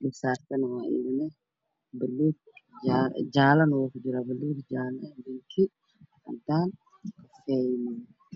xusaaran yahay is-jaaid waxaana ag fadhiya gabar